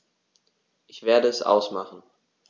Ich werde es ausmachen